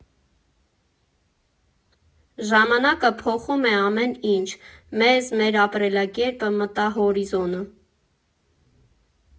Ժամանակը փոխում է ամեն ինչ՝ մեզ, մեր ապրելակերպը, մտահորիզոնը։